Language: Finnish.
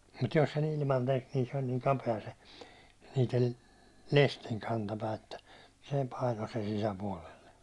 mutta jos sen ilman teki niin se oli niin kapea se niiden lestin kantapää että se painoi sen sisäpuolelle